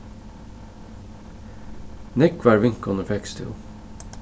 nógvar vinkonur fekst tú